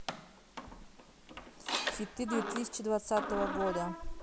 хиты две тысячи двадцатого года